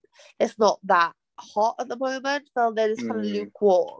It's not that hot at the moment fel they're just kind of lukewarm.